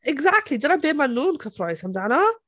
Exactly. Dyna be maen nhw'n gyffrous amdano.